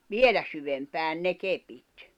vielä syvempään ne kepit